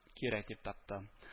Кирәк дип тапты